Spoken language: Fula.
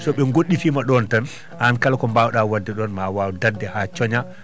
so ɓe goɗɗitiima ɗon tan aan kala ko mbaawɗaa waɗde ɗon ma a waaw dadde haa coñaa